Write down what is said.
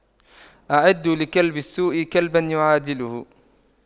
أعدّوا لكلب السوء كلبا يعادله